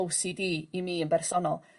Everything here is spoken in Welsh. ow si di i mi yn bersonol.